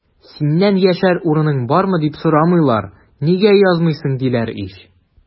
Синнән яшәр урының бармы, дип сорамыйлар, нигә язмыйсың, диләр ич!